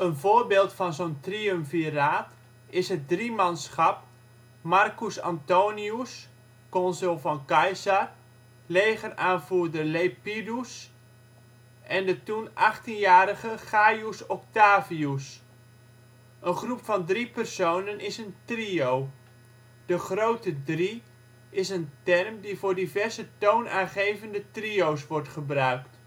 voorbeeld van zo 'n triumviraat is het driemanschap Marcus Antonius (consul van Caesar), legeraanvoerder Lepidus en de toen 18-jarige Gaius Octavius. Een groep van drie personen is een trio. De Grote Drie is een term die voor diverse toonaangevende trio 's wordt gebruikt